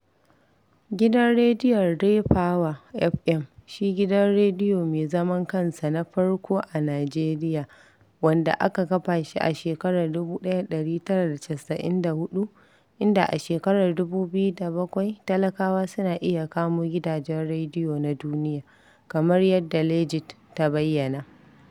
Gidan rediyon RayPower FM shi gidan Rediyo mai zaman kansa na farko a Nijeriya, wanda aka kafa shi a shekarar 1994, inda a shekarar 2007 talakawa suna iya kamo gidajen rediyo na duniya, kamar yadda Ligit ta bayyana.